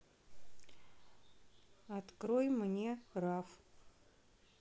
открой мне раф